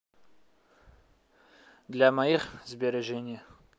для моих сбережений